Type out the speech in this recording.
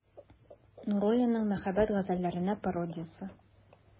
Нуруллинның «Мәхәббәт газәлләренә пародия»се.